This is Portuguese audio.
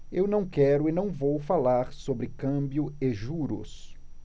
eu não quero e não vou falar sobre câmbio e juros